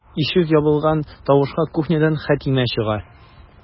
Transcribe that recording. Ишек ябылган тавышка кухнядан Хәтимә чыга.